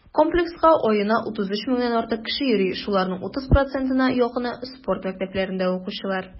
Комплекска аена 33 меңнән артык кеше йөри, шуларның 30 %-на якыны - спорт мәктәпләрендә укучылар.